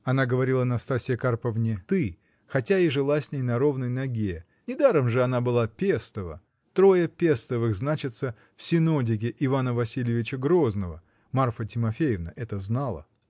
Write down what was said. -- Она говорила Настасье Карповне "ты", хотя и жила с ней на ровной ноге -- недаром же она была Пестова: трое Пестовых значатся в синодике Ивана Васильевича Грозного Марфа Тимофеевна это знала.